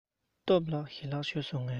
སྟོབས ལགས ཞལ ལག མཆོད སོང ངས